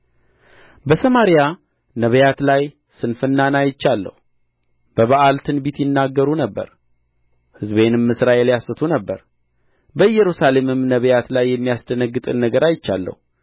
በሰማርያ ነቢያት ላይ ስንፍናን አይቻለሁ በበኣል ትንቢት ይናገሩ ነበር ሕዝቤንም እስራኤል ያስቱ ነበር በኢየሩሳሌምም ነቢያት ላይ የሚያስደነግጥን ነገር አይቻለሁ